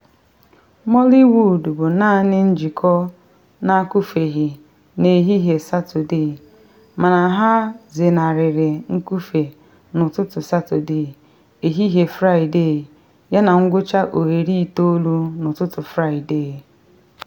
“Moliwood” bụ naanị njikọ na-akụfeghị na ehihe Satọde, mana ha zenarịrị nkụfe n’ụtụtụ Satọde, ehihe Fraịde yana ngwucha oghere itoolu n’ụtụtụ Fraịde.